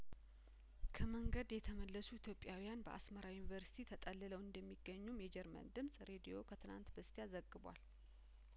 ከመንገድ የተመለሱ ኢትዮጵያውያን በአስመራ ዩኒቨርስቲ ተጠልለው እንደሚገኙም የጀርመን ድምጽ ሬድዮ ከትናንት በስቲያ ዘግቧል